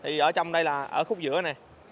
thì ở trông đây ở khúc giữa nè